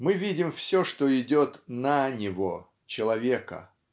Мы видим все, что идет на него, человека